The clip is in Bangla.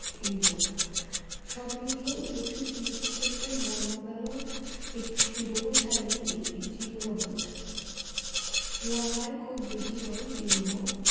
রিবো সব মিলিয়ে উপস্থিত শিশু কিশোরদের মন মাতানোর একটি সুযোগও ছাড়েনি এই পিচ্চি রোবট লম্বায় খুব বেশি নয় যে রিবো